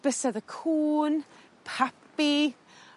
Bysedd y Cŵn. Pabi.